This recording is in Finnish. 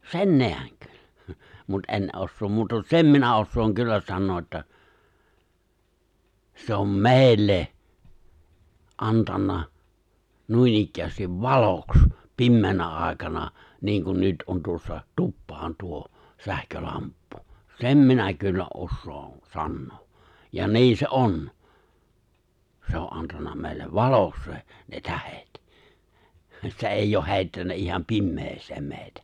sen näen - mutta en osaa muuta sen minä osaan kyllä sanoa että se on meille antanut noinikään valoksi pimeänä aikana niin kuin nyt on tuossa tupaan tuo sähkölamppu sen minä kyllä osaan sanoa ja niin se on se on antanut meille valoksi se ne tähdet se ei ole heittänyt ihan pimeään meitä